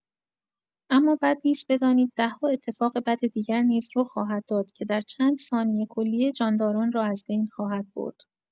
اما بد نیست بدانید ده‌ها اتفاق بد دیگر نیز رخ خواهد داد که در چند ثانیه کلیه جانداران را از بین خواهد برد.